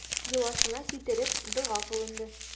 Йоласына китереп, дога кылынды.